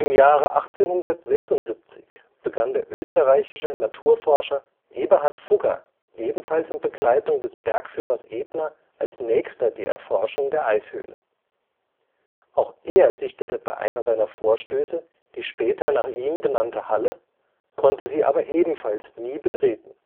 Jahre 1876 begann der österreichische Naturforscher Eberhard Fugger ebenfalls in Begleitung des Bergführers Ebner als Nächster die Erforschung der Eishöhle. Auch er sichtete bei einer seiner Vorstöße die später nach ihm benannte Halle, konnte sie aber ebenfalls nie betreten